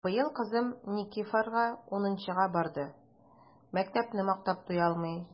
Быел кызым Никифарга унынчыга барды— мәктәпне мактап туялмый!